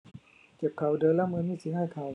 เจ็บเข่าเดินแล้วเหมือนมีเสียงในเข่า